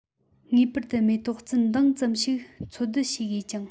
ངེས པར དུ མེ ཏོག རྩི འདང ཙམ ཞིག འཚོལ སྡུད བྱེད དགོས ཅིང